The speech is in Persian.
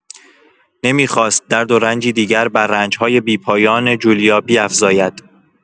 نمی‌خواست درد و رنجی دیگر بر رنج‌های بی‌پایان جولیا بیفزاید.